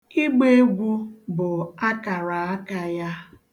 Ịgba egwu bụ akaraaka ya.